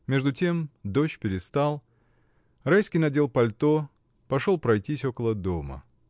Между тем дождь перестал, Райский, надев пальто, пошел пройтись около дома.